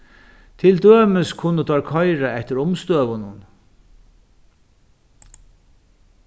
til dømis kunnu teir koyra eftir umstøðunum